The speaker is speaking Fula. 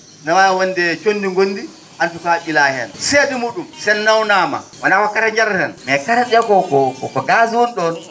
no waawi wonde conndi gonndi en tout cas ?ilaa heen seede muu?um so en nawnaama wonaa ko kare njareten mais kate ?ee ko gaz woni ?oon